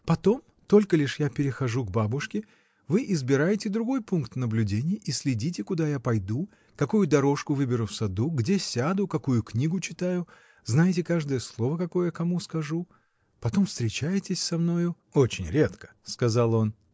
Потом, только лишь я перехожу к бабушке, вы избираете другой пункт наблюдения и следите, куда я пойду, какую дорожку выберу в саду, где сяду, какую книгу читаю, знаете каждое слово, какое кому скажу. Потом встречаетесь со мною. — Очень редко, — сказал он.